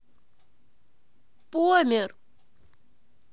помер